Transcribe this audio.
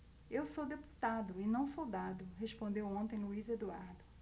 eu sou deputado e não soldado respondeu ontem luís eduardo